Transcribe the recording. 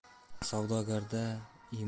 savdogarda imon yo'q orni sotar